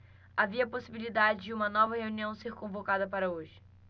havia possibilidade de uma nova reunião ser convocada para hoje